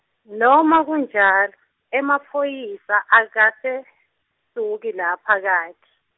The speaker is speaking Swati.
noma kunjalo emaphoyisa akase suki- lapha kakhe.